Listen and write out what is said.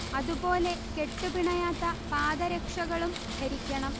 അതു പോലെ കെട്ടു പിണയാത്ത പാദരക്ഷകളും ധരിക്കണം